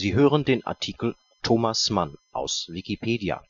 hören den Artikel Thomas Mann, aus Wikipedia